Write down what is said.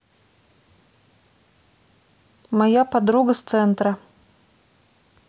моя подруга с центра